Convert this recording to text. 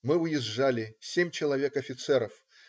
Мы уезжали: семь человек офицеров.